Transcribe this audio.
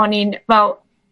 o'n i'n fel